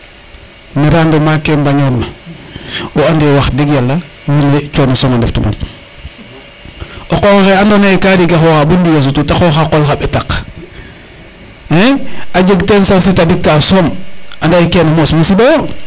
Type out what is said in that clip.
ne rendement ke mbañor na o ande wax deg yala wiin we cono soma ndeftu men o qoxox xoxe ando naye ka riga xoxa bo ndiiga sutu te xoox xa qol xa ɓetak a jeg ten charger tadik kaaf som ande kene moos musiba yo